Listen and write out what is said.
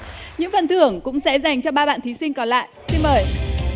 những phần thưởng cũng sẽ dành cho ba bạn thí sinh còn lại xin mời